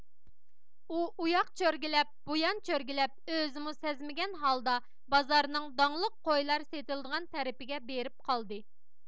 ئۇ ئۇياق چۆرگىلەپ بۇيان چۆرگىلەپ ئۆزىمۇ سەزمىگەن ھالدا بازارنىڭ داڭلىق قويلار سېتىلىدىغان تەرىپىگە بېرىپ قالدى